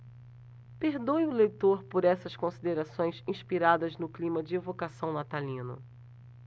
perdoe o leitor por essas considerações inspiradas no clima de evocação natalino